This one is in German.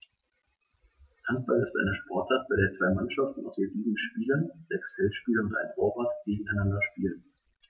Handball ist eine Sportart, bei der zwei Mannschaften aus je sieben Spielern (sechs Feldspieler und ein Torwart) gegeneinander spielen.